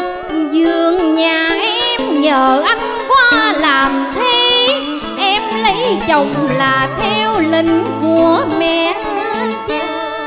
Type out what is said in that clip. dườn nhà em nhờ anh qua làm thí em lấy chồng là theo lệnh của mẹ cha